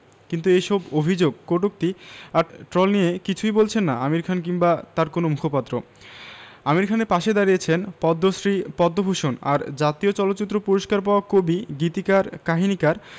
কিন্তু এসব অভিযোগ কটূক্তি আর ট্রল নিয়ে কিছুই বলছেন না আমির খান কিংবা তাঁর কোনো মুখপাত্রআমির খানের পাশে দাঁড়িয়েছেন পদ্মশ্রী পদ্মভূষণ আর জাতীয় চলচ্চিত্র পুরস্কার পাওয়া কবি গীতিকার কাহিনিকার